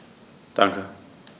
Danke.